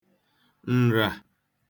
ǹrà